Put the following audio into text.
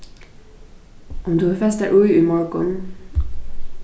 um tú hevur fest tær í í morgun